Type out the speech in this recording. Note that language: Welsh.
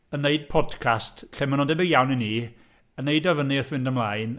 Yn wneud podcast, lle maen nhw'n debyg iawn i ni, yn wneud o fyny wrth fynd ymlaen...